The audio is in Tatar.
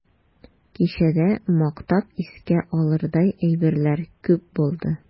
Кичәдә мактап искә алырдай әйберләр күп булды.